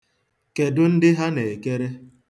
Kedụ ndị ha na-ekere?